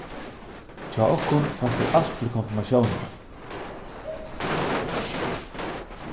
hjá okkum fært tú alt til konfirmatiónina